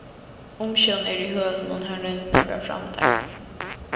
umsjón er í hølunum har royndirnar verða framdar